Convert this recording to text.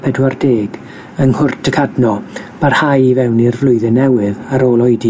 pedwar deg yng Nghwrt y Cadno parhau i fewn i'r flwyddyn newydd ar ôl oedi